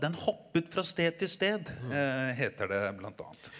den hoppet fra sted til sted heter det blant annet.